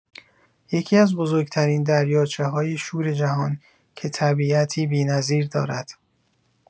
یکی‌از بزرگ‌ترین دریاچه‌های شور جهان که طبیعتی بی‌نظیر دارد.